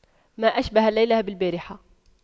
ما أشبه الليلة بالبارحة